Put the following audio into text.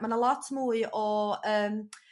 ma' 'na lot mwy o yym